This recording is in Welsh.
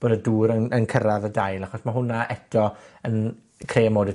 bod y dŵr yn yn cyrradd y dail, achos ma' hwnna eto yn creu amode